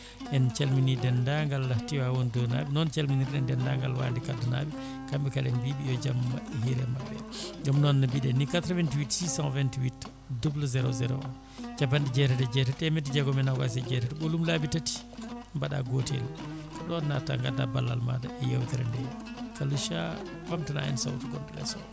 en calmini dendagal Tivaoune 2 naaɓe noon calminirten dendagla Wande Kadda naaɓe kamɓe kala en mbiɓe yo jaam hiire mabɓe ɗum noon no mbiɗen ni 88 628 00 01 capanɗe jeetati e jeetati temedde jeegom e nogas e jeetati mbaɗa ɓolum laabi tati mabɗa gotel ko ɗon natta gadda ballal maɗa e yewtere nde Kalisa ɓamtana en sawto gonɗo lees o